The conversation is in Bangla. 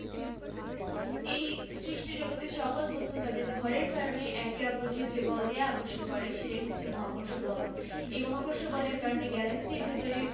তোমাদের মতো প্রাচীন দার্শনিকেরাও এ নিয়ে বহু চিন্তা ভাবনা করেছেন প্রাচীন গ্রিক দার্শনিকেরা ভাবতেন মাটি পানি বায়ু এবং আগুন ইত্যাদি মৌলিক পদার্থ আর অন্য সকল বস্তু এদের মিশ্রণে তৈরি